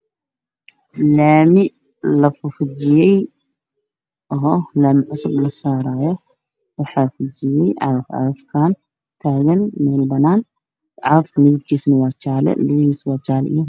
Waa laami lafujiyay oo laami cusub lasaarayo waxaa taagan cagaf cagaf midabkiisu waa jaale.